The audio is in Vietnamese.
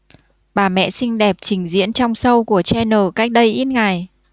bà mẹ xinh đẹp trình diễn trong show của chanel cách đây ít ngày